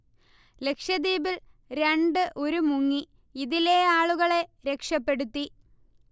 ലക്ഷദ്വീപിൽ രണ്ട് ഉരു മുങ്ങി ഇതിലെആളുകളെ രക്ഷപെടുത്തി